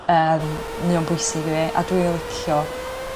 Yym mae o'n bwysig i fi. A dwi licio